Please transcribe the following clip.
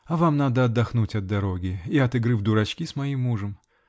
-- А вам надо отдохнуть от дороги -- и от игры в дурачки с моим мужем.